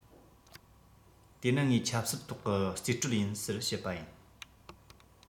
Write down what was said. དེ ནི ངའི ཆབ སྲིད ཐོག གི རྩིས སྤྲོད ཡིན ཟེར བཤད པ ཡིན